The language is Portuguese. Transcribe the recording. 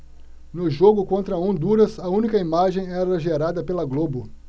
no jogo contra honduras a única imagem era gerada pela globo